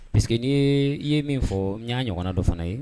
Parce que n i ye min fɔ ni y'a ɲɔgɔn dɔ fana ye